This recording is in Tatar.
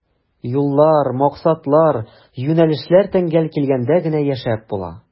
Юллар, максатлар, юнәлешләр тәңгәл килгәндә генә яшәп була.